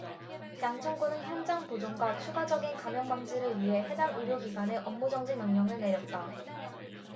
양천구는 현장 보존과 추가적인 감염 방지를 위해 해당 의료기관에 업무정지 명령을 내렸다